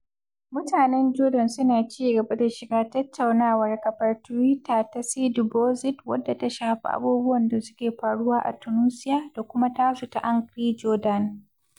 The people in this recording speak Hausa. Mutanen Jordan suna ci gaba da shiga tattaunawar kafar Tiwita ta #sidibouzid (wadda ta shafi abubuwan da suke faruwa a Tunusia) da kuma tasu ta #angryjordan.